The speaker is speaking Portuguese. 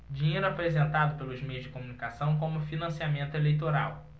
dinheiro apresentado pelos meios de comunicação como financiamento eleitoral